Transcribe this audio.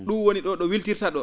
?um woni ?oo ?o wiltirta ?oo